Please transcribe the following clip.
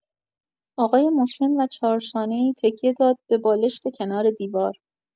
آقای مسن و چهارشانه‌ای تکیه داد به بالشت کنار دیوار.